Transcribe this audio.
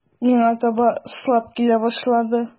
Миңа таба ыслап килә башлады.